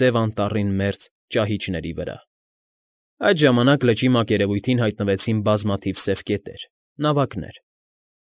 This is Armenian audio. Սև Անտառի մերձ ճահիճների վրա։ Այդ ժամանակ լճի մակերևույթին հայտնվեցին բազմաթիվ սև կետեր՝ նավակներ։